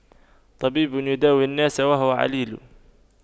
طبيب يداوي الناس وهو عليل